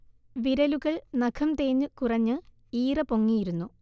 വിരലുകൾ നഖം തേഞ്ഞ് കുറഞ്ഞ് ഈറ പൊങ്ങിയിരുന്നു